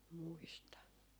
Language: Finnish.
muista